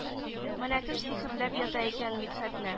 Менә кем сихерләп ята икән мидхәтне